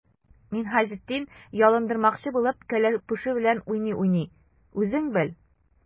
Минһаҗетдин, ялындырмакчы булып, кәләпүше белән уйный-уйный:— Үзең бел!